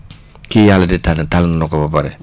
ki yàlla di tànn tànn na ko ba pare